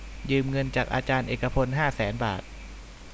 ยืมเงินจากอาจารย์เอกพลห้าแสนบาท